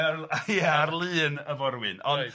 ... Ar- ia ar lun y forwyn, ond... Reit...